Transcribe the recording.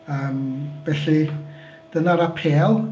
Yym felly dyna'r apêl.